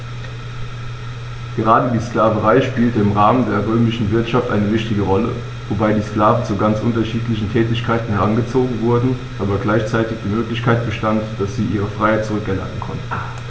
Gerade die Sklaverei spielte im Rahmen der römischen Wirtschaft eine wichtige Rolle, wobei die Sklaven zu ganz unterschiedlichen Tätigkeiten herangezogen wurden, aber gleichzeitig die Möglichkeit bestand, dass sie ihre Freiheit zurück erlangen konnten.